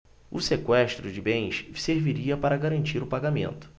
o sequestro de bens serviria para garantir o pagamento